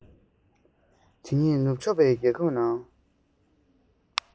འདི ཉིད ནུབ ཕྱོགས པའི རྒྱལ ཁབ ནང